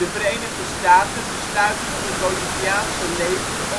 Verenigde Staten besluiten om het Boliviaanse leger te ondersteunen